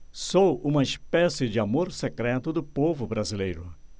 sou uma espécie de amor secreto do povo brasileiro